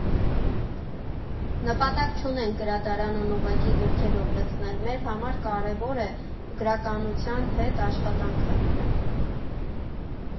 Նպատակ չունենք գրադարանն ուղղակի գրքերով լցնել, մեր համար կարևոր է գրականության հետ աշխատանքը։